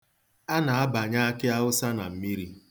A na-abanye akịawụsa ma mmiri.